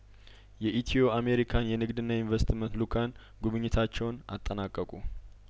የኢትዮ አሜሪካን የንግድና ኢንቨስትመንትሉካን ጉብኝታቸውን አጠናቀቁ